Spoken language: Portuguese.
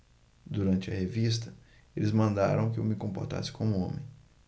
durante a revista eles mandaram que eu me comportasse como homem